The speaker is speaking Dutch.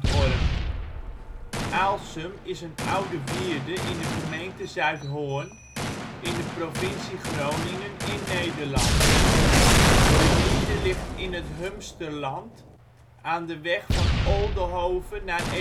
OL Aalsum Buurtschap in Nederland Situering Provincie Groningen Gemeente Zuidhorn Coördinaten 53° 18′ NB, 6° 22′ OL Portaal Nederland Aalsum is een oude wierde in de gemeente Zuidhorn in de provincie Groningen in Nederland. De wierde ligt in het Humsterland aan de weg van Oldehove naar Electra